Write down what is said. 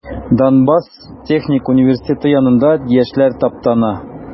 Донбасс техник университеты янында яшьләр таптана.